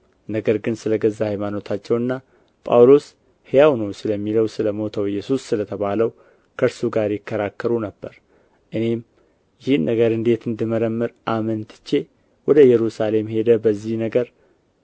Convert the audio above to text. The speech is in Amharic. ነገር ግን ስለ ገዛ ሃይማኖታቸውና ጳውሎስ ሕያው ነው ስለሚለው ስለ ሞተው ኢየሱስ ስለ ተባለው ከእርሱ ጋር ይከራከሩ ነበር እኔም ይህን ነገር እንዴት እንድመረምር አመንትቼ ወደ ኢየሩሳሌም ሄደህ በዚህ ነገር